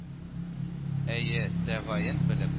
Әйе, тәгаен белеп